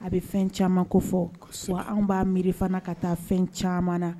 A bɛ fɛn caman ko fɔ su an b'a mifana ka taa fɛn caman na